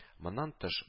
Моннан тыш